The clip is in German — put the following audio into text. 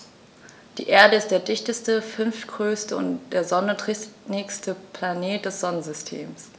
Die Erde ist der dichteste, fünftgrößte und der Sonne drittnächste Planet des Sonnensystems.